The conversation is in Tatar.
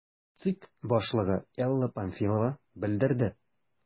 ЦИК башлыгы Элла Памфилова белдерде: